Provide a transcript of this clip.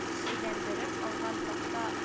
Әйләндереп алган такта